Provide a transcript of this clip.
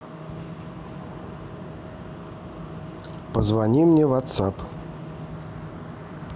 позвони мне в whatsapp